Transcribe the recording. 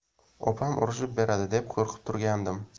opam urishib beradi deb qo'rqib turgandim